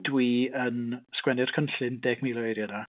Dwi yn sgwennu'r cynllun deg mil o eiriau 'na.